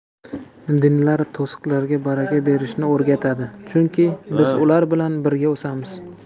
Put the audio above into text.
dinlar to'siqlarga baraka berishni o'rgatadi chunki biz ular bilan birga o'samiz